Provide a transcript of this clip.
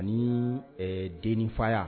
Ani deninfaya